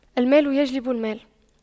المال يجلب المال